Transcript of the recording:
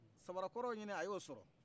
samara kɔrɔ ɲinin a y'o sɔrɔ